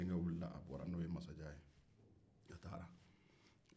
denkɛ wulila a bɔra